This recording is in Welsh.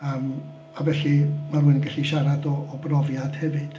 Yym a felly ma' rywun yn gallu siarad o o brofiad hefyd.